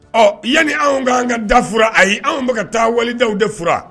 Ɔ yanni anw ka'an ka da fura a ye anw bɛka ka taa walida de fura